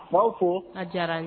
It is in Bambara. B' ko a diyara ye